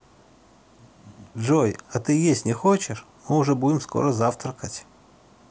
джой а ты есть не хочешь мы уже будем скоро завтракать